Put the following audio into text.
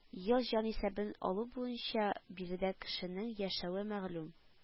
Ел җанисәбен алу буенча биредә кешенең яшәве мәгълүм